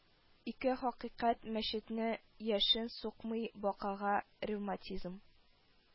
* ике хакыйкать: мәчетне яшен сукмый, бакага ревматизм